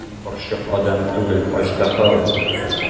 Минем карчык адәм түгел, аждаһа ул!